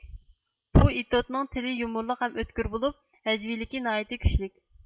بۇ ئېتوتنىڭ تىلى يۇمۇرلۇق ھەم ئۆتكۈر بولۇپ ھەجۋىيلىكى ناھايىتى كۈچلۈك